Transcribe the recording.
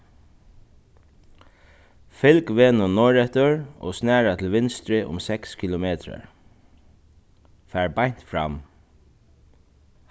fylg vegnum norðureftir og snara til vinstru um seks kilometrar far beint fram